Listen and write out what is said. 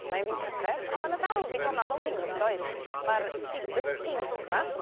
Mae'n fis Hydref ond ma' 'na dal ddigonadd o liw does? ma'r sedum pinc 'ma